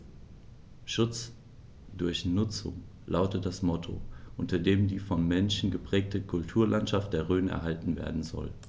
„Schutz durch Nutzung“ lautet das Motto, unter dem die vom Menschen geprägte Kulturlandschaft der Rhön erhalten werden soll.